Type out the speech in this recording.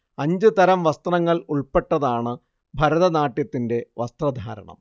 അഞ്ച് തരം വസ്ത്രങ്ങൾ ഉൾപ്പെട്ടതാണ് ഭരതനാട്യത്തിന്റെ വസ്ത്രധാരണം